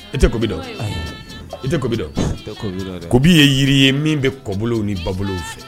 I tɛ kobi dɔn ayi i tɛ kobi dɔn n te kobi dɔn dɛ kobi ye yiri ye min bɛ kɔbolow ni babolow fɛ